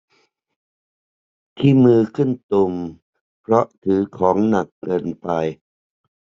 ที่มือขึ้นตุ่มเพราะถือของหนักเกินไป